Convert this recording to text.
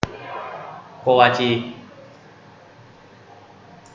โกวาจี